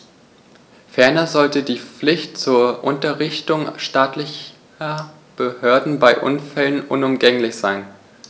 Ferner sollte die Pflicht zur Unterrichtung staatlicher Behörden bei Unfällen unumgänglich sein.